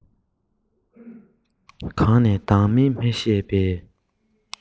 གང ནས ལྡང མིན མི ཤེས པའི